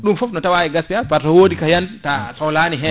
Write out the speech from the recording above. ɗum foof ne tawa e gaspillage par ce wodi ka yan ta a sohlani hen